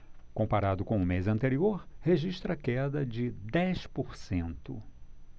comparado com o mês anterior registra queda de dez por cento